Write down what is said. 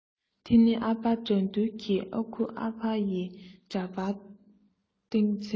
དེ ན ཨ ཕ དགྲ འདུལ གྱི ཨ ཁུ ཨ ཕ ཡི འདྲ པར སྟེང ཚེ